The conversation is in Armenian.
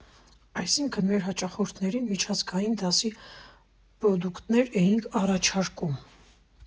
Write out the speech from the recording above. Այսինքն՝ մեր հաճախորդներին միջազգային դասի պրոդուկտներ էինք առաջարկում։